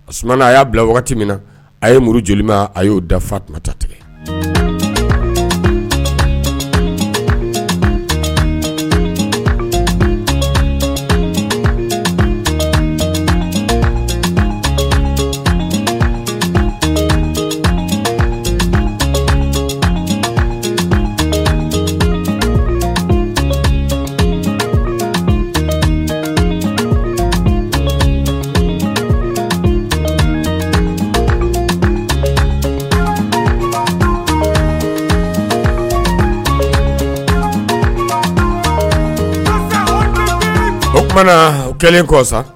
O sumana a y'a bila wagati min na a ye muru joli ma a y'o dafafa tun ta tigɛ oumana o kɛlen kɔ sa